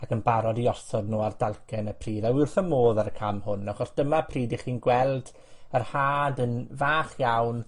ac yn barod i osod nw ar dalcen y pridd, a wi wrth fy modd ar y cam hwn, achos dyma pryd 'ych chi'n gweld yr had yn fach iawn,